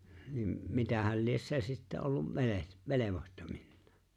niin mitähän lie se sitten ollut - velvohtovinaan